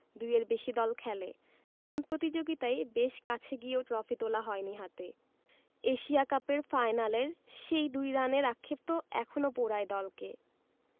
দুইয়ের বেশি দল খেলে এমন প্রতিযোগিতায় বেশ কাছে গিয়েও ট্রফি তোলা হয়নি হাতে এশিয়া কাপের ফাইনালের সেই ২ রানের আক্ষেপ তো এখনো পোড়ায় দলকে